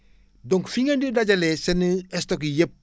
donc fi ngeen di dajalee seen i stock yi yëpp